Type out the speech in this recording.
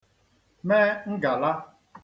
me ngàla